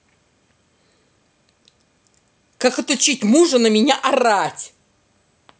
как отучить мужа на меня орать